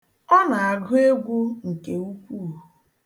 Ọ na-agụ egwu nke ukwuu.